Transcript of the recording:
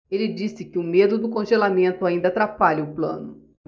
ele disse que o medo do congelamento ainda atrapalha o plano